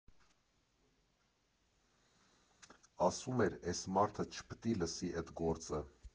Ասում էր՝ էս մարդը չպիտի՛ լսի էդ գործը։